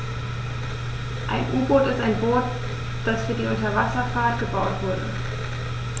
Ein U-Boot ist ein Boot, das für die Unterwasserfahrt gebaut wurde.